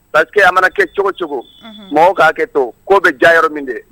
Parce que a mana kɛ cogo cogo unhun mɔgɔw k'a hakɛto ko bɛ diya yɔrɔ min de